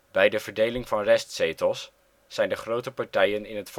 Bij de verdeling van restzetels zijn de grote partijen in het voordeel